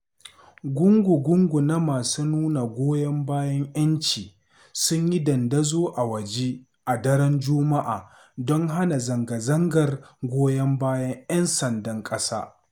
Gungu-gungu na masu nuna goyon bayan ‘yanci sun yi dandazo a waje a daren juma'a don hana zanga-zangar goyon bayan ‘yan sandan ƙasa.